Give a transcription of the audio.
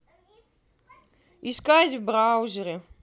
искать в браузере